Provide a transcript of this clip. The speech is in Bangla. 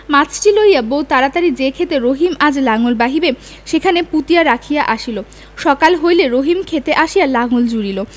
মাছটি লইয়া বউ তাড়াতাড়ি যে ক্ষেতে রহিম আজ লাঙল বাহিবে সেখানে পুঁতিয়া রাখিয়া আসিল সকাল হইলে রহিম ক্ষেতে আসিয়া লাঙল জুড়িল